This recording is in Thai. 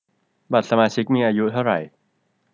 บัตรสมาชิกมีอายุเท่าไหร่